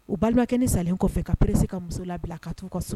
U balima kɛ ni salen kɔfɛ ka perese ka muso labila ka taa u ka so